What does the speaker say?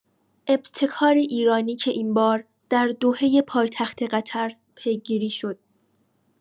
ابتکار ایرانی که این بار در دوحه پایتخت قطر پیگیری شد.